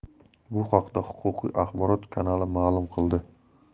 bu haqda huquqiy axborot kanali ma'lum qildi